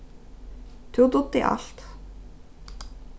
tú dugdi alt